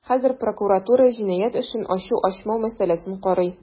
Хәзер прокуратура җинаять эшен ачу-ачмау мәсьәләсен карый.